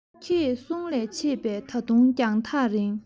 ཁྱེད གསུང ལས མཆེད པའི ད དུང རྒྱང ཐག རིང